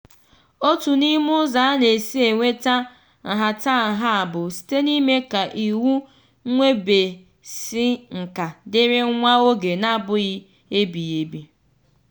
Otu n'ime ụzọ a na-esi enweta nhatanha a bụ site n'ime ka iwu nnwebeisinka dịrị nwa oge na-abụghị ebighịebi.